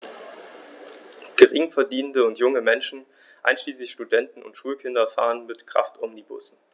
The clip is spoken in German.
Geringverdienende und junge Menschen, einschließlich Studenten und Schulkinder, fahren mit Kraftomnibussen.